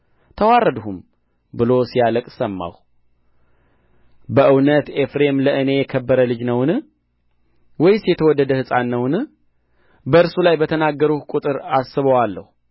ተዋረድሁም ብሎ ሲያለቅስ ሰማሁ በእውነት ኤፍሬም ለእኔ የከበረ ልጅ ነውን ወይስ የተወደደ ሕፃን ነውን በእርሱ ላይ በተናገርሁ ቍጥር አስበዋለሁ